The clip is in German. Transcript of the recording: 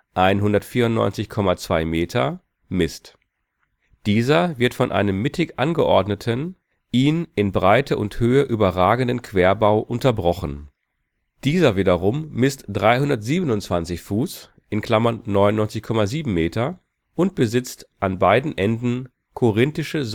194,2 Meter) misst. Dieser wird von einem mittig angeordneten, ihn in Breite und Höhe überragenden Querbau unterbrochen. Dieser wiederum misst 327 Fuß (99,7 Meter) und besitzt an beiden Enden korinthische